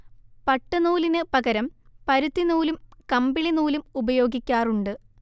പട്ട്നൂലിന് പകരം പരുത്തി നൂലും കമ്പിളി നൂലും ഉപയോഗിക്കാറുണ്ട്